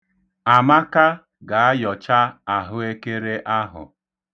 Amaka ga-ayọcha ahụekere ahụ.